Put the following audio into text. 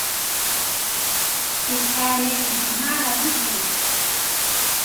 ปิดแอร์ในอีกสิบห้านาที